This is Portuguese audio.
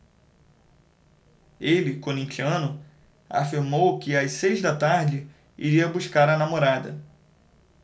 ele corintiano afirmou que às seis da tarde iria buscar a namorada